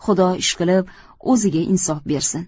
xudo ishqilib o'ziga insof bersin